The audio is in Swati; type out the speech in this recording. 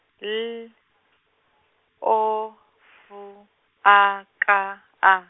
L , O, F, A, K, A.